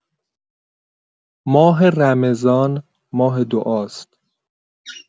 ماه رمضان ماه دعاست.